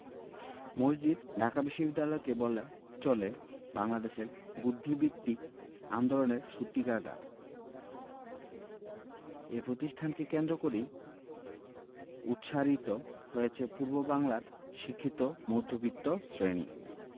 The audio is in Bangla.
মসজিদ ঢাকা বিশ্ববিদ্যালয়কে বলা চলে বাংলাদেশের বুদ্ধিবৃত্তিক আন্দোলনের সূতিকাগার এ প্রতিষ্ঠানকে কেন্দ্র করেই উৎসারিত হয়েছে পূর্ববাংলার শিক্ষিত মধ্যবিত্ত শ্রেণি